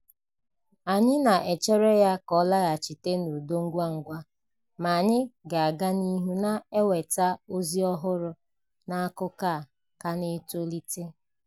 Anyị na-echeere ya ka ọ laghachite n'udo ngwangwa, ma anyị ga-aga n'ihu na-eweta ozi ọhụrụ n'akụkọ a ka ọ na-etolite.